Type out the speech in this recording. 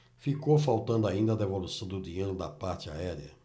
ficou faltando ainda a devolução do dinheiro da parte aérea